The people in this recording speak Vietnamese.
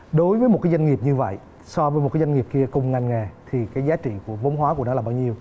đối với một cái doanh nghiệp như vậy so với một doanh nghiệp kia cùng ngành nghề thì cái giá trị vốn hóa của nó là bao nhiêu